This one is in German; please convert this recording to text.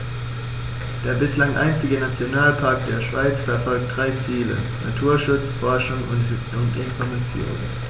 Der bislang einzige Nationalpark der Schweiz verfolgt drei Ziele: Naturschutz, Forschung und Information.